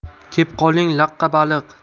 kep qoling laqqa baliq